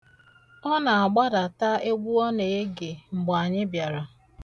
Ọ na-agbadata egwu ọ na-ege mgbe anyị bịara.